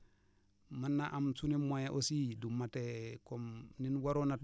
mën naa am sunu moyen ausi du matee comme ni mu waroon a